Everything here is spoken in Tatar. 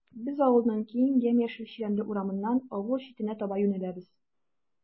Без авылның киң, ямь-яшел чирәмле урамыннан авыл читенә таба юнәләбез.